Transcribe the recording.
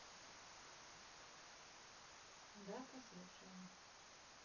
да послушаем